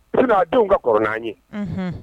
fɛnminɛ a denw ka kɔrɔ' ye.